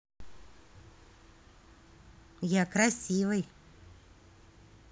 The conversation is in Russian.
я красивый